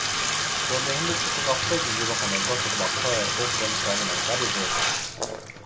그런데 현대축구가 포백 위주로 가면서 저도 맞춰야 했고 그럼 제약이 많이 따르죠